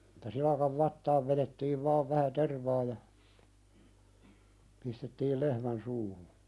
Että silakan vatsaan vedettiin vain vähän tervaa ja pistettiin lehmän suuhun